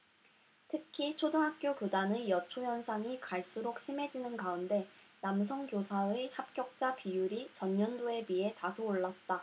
특히 초등학교 교단의 여초 현상이 갈수록 심해지는 가운데 남성 교사의 합격자 비율이 전년도에 비해 다소 올랐다